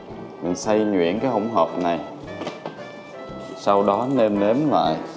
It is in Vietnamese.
xay nhuyễn cái hỗn hợp này sau đó nêm nếm lại